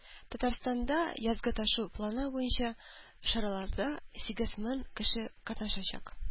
Татарстанда "Язгы ташу" планы буенча чараларда сигез мең кеше катнашачак